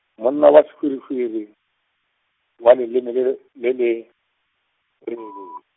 monna wa sehwirihwiri, wa leleme le, le le, bore ele-.